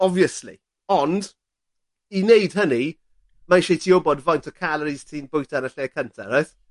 obviously, ond, i wneud hynny, mae isie i ti wybod faint o calories ti'n bwyta yn y lle cynta reit?